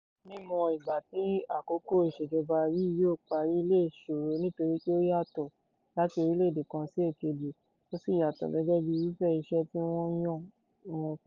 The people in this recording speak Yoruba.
Mímọ ìgbà tí àkókò ìṣèjọba yìí yóò parí le ṣòro nítorí pé ó yàtọ̀ láti orílẹ̀ èdè kan sí èkejì ó ṣí yàtọ̀ gẹ́gẹ́ bíi irúfẹ́ iṣẹ́ tí wọ́n yàn wọ́n fún.